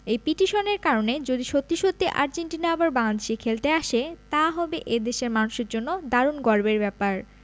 এই পিটিশনের কারণে যদি সত্যি সত্যিই আর্জেন্টিনা আবার বাংলাদেশে খেলতে আসে তা হবে এ দেশের মানুষের জন্য দারুণ গর্বের ব্যাপার